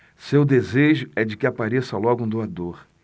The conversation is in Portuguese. seu desejo é de que apareça logo um doador